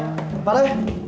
vào đây